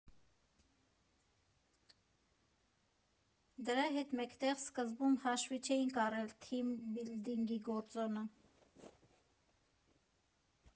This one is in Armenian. Դրա հետ մեկտեղ սկզբում հաշվի չէինք առել թիմ բիլդինգի գործոնը.